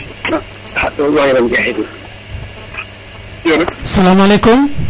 salamaley kum